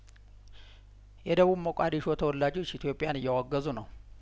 የደቡብ ሞቃዲሾ ተወላጆች ኢትዮጵያን እያወገዙ ነው